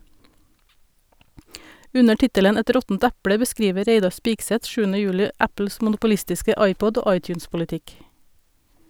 Under tittelen "Et råttent eple" beskriver Reidar Spigseth 7. juli Apples monopolistiske iPod- og iTunes-politikk.